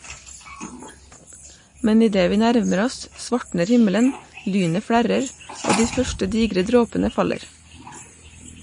Men idet vi nærmer oss, svartner himmelen, lynet flerrer, og de første digre dråpene faller.